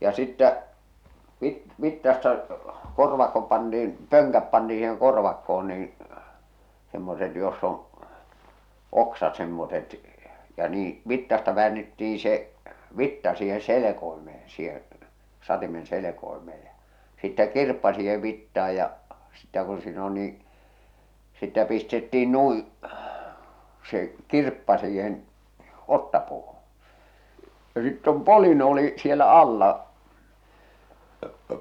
ja sitten - vitsasta korvakko pantiin pönkät pantiin siihen korvakkoon niin semmoiset jossa on oksat semmoiset ja niin vitsasta väännettiin se vitsa siihen selkoimeen siihen satimen selkoimeen ja sitten kirppa siihen vitsaan ja sitten kun siinä on niin sitten pistettiin noin se kirppa siihen otsapuuhun ja sitten on poljin oli siellä alla